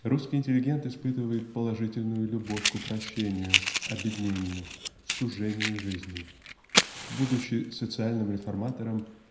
Русский интеллигент испытывает положительную любовь к упрощению обеднению сужению жизни будучи социальным реформатором